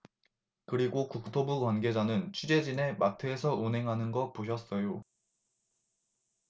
그리고 국토부 관계자는 취재진에 마트에서 운행하는 거 보셨어요